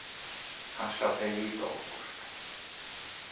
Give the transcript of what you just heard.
kanska tey vita okkurt